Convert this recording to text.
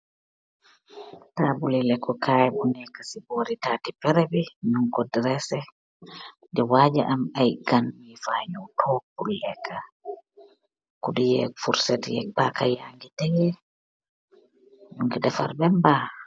Tabulu lekex kai bu neex si tatux teraax bi nu gux terra seex diwaja em aii kenn yu fa yew togg bul legax , kuduh , furrset ak pakeh tekeh bugux defarr bam baah .